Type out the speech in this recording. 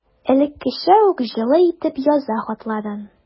Элеккечә үк җылы итеп яза хатларын.